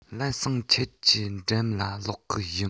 ལམ སེང ཁྱེད ཀྱི འགྲམ ལ ལོག གི ཡིན